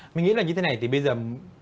mình nghĩ là như thế này thì bây dầm